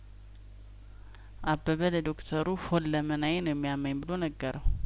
አበበ ለዶክተሩ ሁለመናዬን ነው የሚያመኝ ብሎ ነገረው